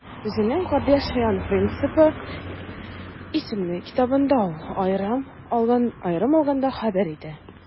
Үзенең «Кардашьян принципы» исемле китабында ул, аерым алганда, хәбәр итә: